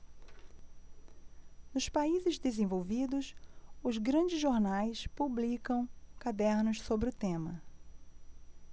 nos países desenvolvidos os grandes jornais publicam cadernos sobre o tema